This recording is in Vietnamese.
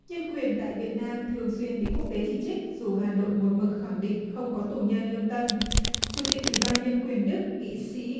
nhân quyền tại việt nam thường xuyên bị quốc tế chỉ trích dù hà nội một mực khẳng định không có tù nhân lương tâm chủ tịch ủy ban nhân quyền đức nghị sĩ